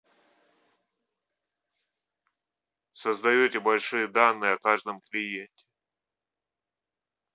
создаете большие данные о каждом клиенте